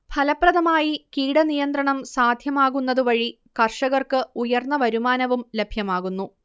ഫലപ്രദമായി കീടനിയന്ത്രണം സാധ്യമാകുന്നതുവഴി കർഷകർക്ക് ഉയർന്ന വരുമാനവും ലഭ്യമാകുന്നു